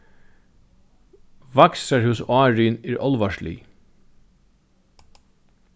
vakstrarhúsárin er álvarslig